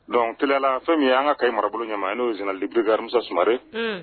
Donc tilala fɛn min ye an ka ɲi marabolo ɲɛ ma n'o senlib gamisasre